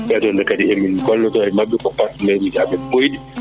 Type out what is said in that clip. ɓeɗonne kadi zmin gollodo e mabɓe ko partenaire uji amen ɓoyɗi